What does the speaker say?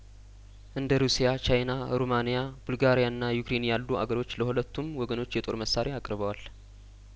እንደ ሩሲያ ቻይና ሩማንያ ቡልጋሪያና ዩክሬን ያሉ አገሮች ለሁለቱም ወገኖች የጦር መሳሪያ አቅርበዋል